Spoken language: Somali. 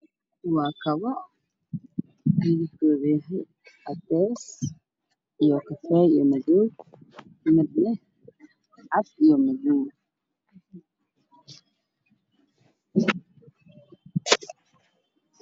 Waa kabo midabkoodu yahay cadees iyo kafee iyo madow midna cad iyo madow